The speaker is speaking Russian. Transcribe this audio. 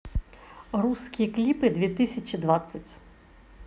русские клипы две тысячи двадцать